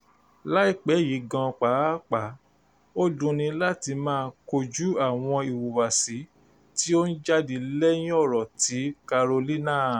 Láìpẹ́ yìí gan-an pàápàá, ó dunni láti máa kojú àwọn ìhùwàsí tí ó ń jáde lẹ́yìn ọ̀rọ̀ ti Carolina...